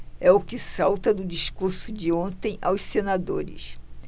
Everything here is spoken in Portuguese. é o que salta do discurso de ontem aos senadores